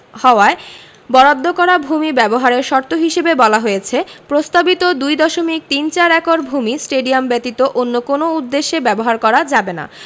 হওয়ায় বরাদ্দ করা ভূমি ব্যবহারের শর্ত হিসেবে বলা হয়েছে প্রস্তাবিত ২ দশমিক তিন চার একর ভূমি স্টেডিয়াম ব্যতীত অন্য কোনো উদ্দেশ্যে ব্যবহার করা যাবে না